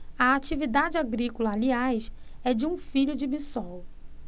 a atividade agrícola aliás é de um filho de bisol